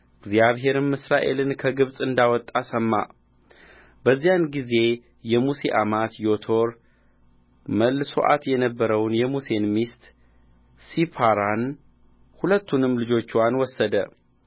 እግዚአብሔርም እስራኤልን ከግብፅ እንዳወጣ ሰማ በዚያን ጊዜ የሙሴ አማት ዮቶር መልሶአት የነበረውን የሙሴን ሚስት ሲፓራን ሁለቱንም ልጆቿን ወሰደ